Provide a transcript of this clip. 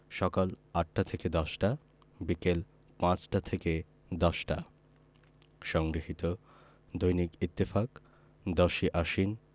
সকাল ৮টা থেকে ১০টা বিকাল ৫টা থেকে ১০টা সংগৃহীত দৈনিক ইত্তেফাক ১০ই আশ্বিন